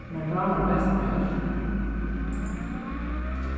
mær dámar best mjólk